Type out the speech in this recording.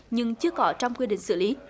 nhưng chưa có trong quy định xử lý